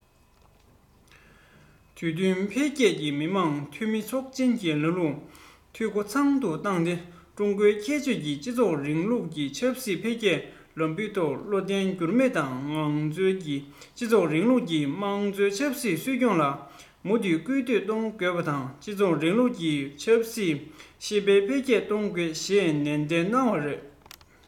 དུས བསྟུན འཕེལ རྒྱས ཀྱིས མི དམངས འཐུས མི ཚོགས ཆེན གྱི ལམ ལུགས འཐུས སྒོ ཚང དུ བཏང སྟེ ཀྲུང གོའི ཁྱད ཆོས ཀྱི སྤྱི ཚོགས རིང ལུགས ཀྱི ཆབ སྲིད འཕེལ རྒྱས ལམ བུའི ཐོག བློ བརྟན འགྱུར མེད ངང བསྐྱོད དེ སྤྱི ཚོགས རིང ལུགས ཀྱི དམངས གཙོ ཆབ སྲིད འཛུགས སྐྱོང ལ མུ མཐུད སྐུལ འདེད གཏོང དགོས པ དང སྤྱི ཚོགས རིང ལུགས ཀྱི ཆབ སྲིད ཤེས དཔལ འཕེལ རྒྱས གཏོང དགོས ཞེས ནན བཤད གནང བ རེད